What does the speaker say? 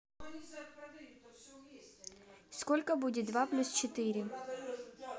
сколько будет два плюс четыре